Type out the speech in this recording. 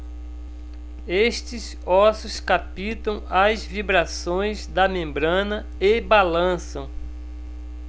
estes ossos captam as vibrações da membrana e balançam